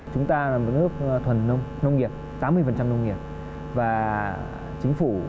chúng ta là một nước thuần nông nông nghiệp tám mươi phần trăm nông nghiệp và chính phủ